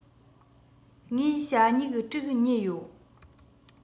ངས ཞྭ སྨྱུག དྲུག ཉོས ཡོད